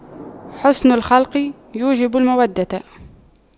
حُسْنُ الخلق يوجب المودة